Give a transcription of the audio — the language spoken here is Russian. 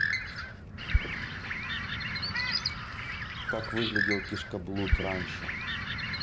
как выглядел кишкоблуд раньше